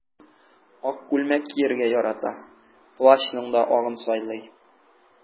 Ак күлмәк кияргә ярата, плащның да агын сайлый.